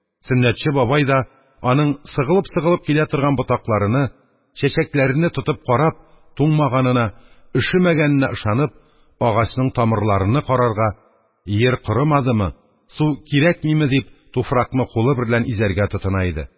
Сөннәтче бабай да аның сыгылып-сыгылып килә торган ботакларыны, чәчәкләрене тотып карап, туңмаганына, өшетмәгәненә ышанып, агачның тамырларыны карарга: «Йир корымадымы? Су кирәкмиме?» – дип, туфракны кулы берлән изәргә тотына иде.